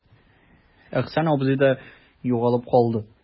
Әхсән абзый да югалып калды.